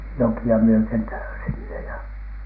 jokia myöten - sinne ja